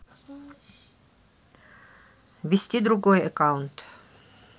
вести другой аккаунт